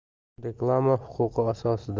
reklama huquqi asosida